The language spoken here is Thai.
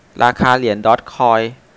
ราคาเหรียญดอร์จคอย